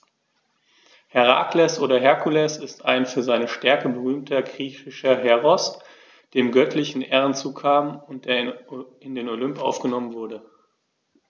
Herakles oder Herkules ist ein für seine Stärke berühmter griechischer Heros, dem göttliche Ehren zukamen und der in den Olymp aufgenommen wurde.